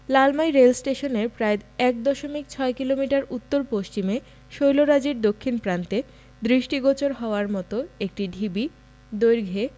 লালমাই রেলস্টেশনের প্রায় ১ দশমিক ৬ কিলোমিটার উত্তর পশ্চিমে শৈলরাজির দক্ষিণ প্রান্তে দৃষ্টিগোচর হওয়ার মতো একটি ঢিবি দৈর্ঘ্যে